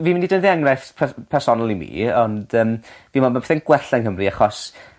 Fi mynd i deddio enghraifft pres- m- personol i mi ond yym fi'n meddwl ma' pethe'n gwell yng Nghymru achos